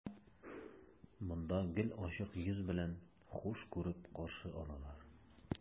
Монда гел ачык йөз белән, хуш күреп каршы алалар.